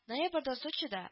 Ноябрьдә Сочида